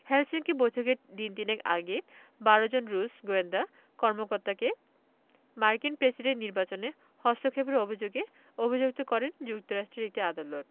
Helsinki বৈঠকের দিন তিনেক আগে ১২ জন রুশ গোয়েন্দা কর্মকর্তাকে মার্কিন প্রেসিডেন্ট নির্বাচনে হস্তক্ষেপের অভিযোগে অভিযুক্ত করেন যুক্তরাষ্ট্রের একটি আদালত